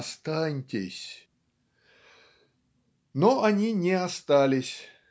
Останьтесь!" Но они не остались